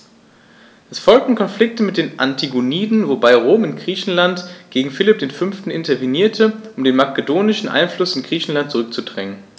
Es folgten Konflikte mit den Antigoniden, wobei Rom in Griechenland gegen Philipp V. intervenierte, um den makedonischen Einfluss in Griechenland zurückzudrängen.